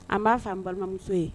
An b'a f'an balimamuso ye